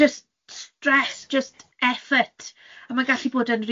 Just, oh, just stress, just effort, and ma'n gallu bod yn